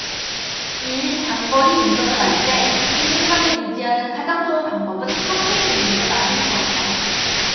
일 장거리 운전을 할 때 기민함을 유지하는 가장 좋은 방법은 카페인 음료를 마시는 것이다